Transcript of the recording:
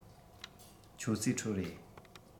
ཁྱོད ཚོས ཁྲོད རེད